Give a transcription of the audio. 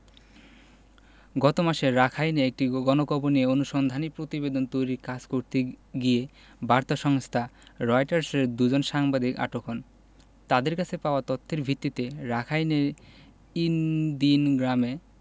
গত মাসে রাখাইনে একটি গণকবর নিয়ে অনুসন্ধানী প্রতিবেদন তৈরির কাজ করতে গিয়ে বার্তা সংস্থা রয়টার্সের দুজন সাংবাদিক আটক হন তাঁদের কাছে পাওয়া তথ্যের ভিত্তিতে রাখাইনের ইন দিন গ্রামে